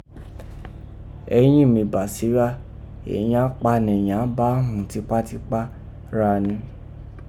Eyín mi Bàsírá, èyí án pa nẹ́yìn án ba hùn tipátipá, gha rin